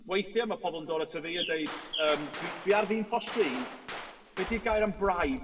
Weithiau ma' pobl yn dod ato fi a deud, yym... Dwi dwi ar fin postio un, be 'di'r gair am bribe?